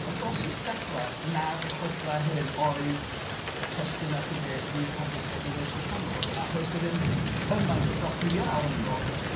Mae'n bosib dadlau nad y chwedlau hyn oedd y testunau rhyddiaith mwyaf poblogaidd yn yr Oesoedd Canol achos does 'na ddim cymaint o gopïau ohonyn nhw.